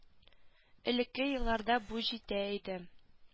Элекке елларда бу җитә иде